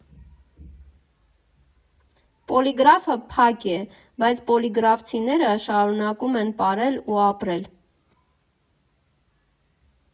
Պոլիգրաֆը փակ է, բայց պոլիգրաֆցիները շարունակում են պարել ու ապրել։